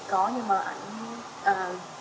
có nhưng mà ảnh ờ